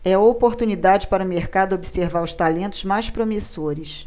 é a oportunidade para o mercado observar os talentos mais promissores